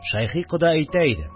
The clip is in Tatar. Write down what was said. Шәйхи кода әйтә иде